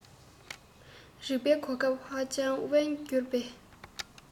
རེག པའི གོ སྐབས ཧ ཅང དབེན འགྱུར པས